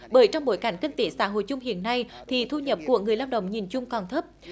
bởi trong bối cảnh kinh tế xã hội chung hiện nay thì thu nhập của người lao động nhìn chung còn thấp